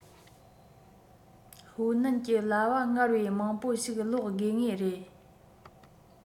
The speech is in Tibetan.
ཧུའུ ནན གྱི གླ པ སྔར བས མང པ ཞིག ལོག དགོས ངེས རེད